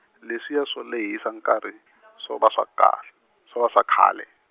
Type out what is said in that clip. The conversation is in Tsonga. leswiya swo lehisa nkarhi , swo va swa kahl-, swo va swa khale.